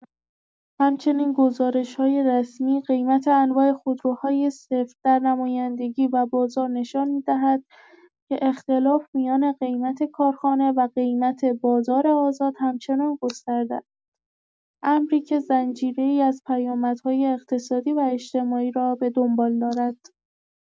همچنین گزارش‌های رسمی قیمت انواع خودروهای صفر در نمایندگی و بازار نشان می‌دهد که اختلاف میان قیمت کارخانه و قیمت بازار آزاد همچنان گسترده است، امری که زنجیره‌ای از پیامدهای اقتصادی و اجتماعی را به دنبال دارد.